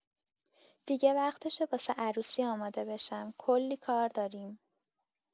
دیگه وقتشه واسه عروسی آماده بشم، کلی کار داریم.